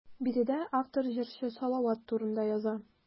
Биредә автор җырчы Салават турында яза.